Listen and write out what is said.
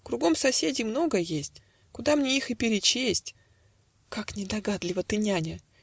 Кругом соседей много есть; Куда мне их и перечесть". - Как недогадлива ты, няня!